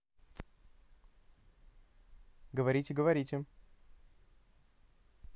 говорите говорите